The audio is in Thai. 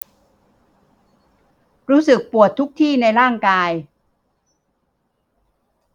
รู้สึกปวดทุกที่ในร่างกาย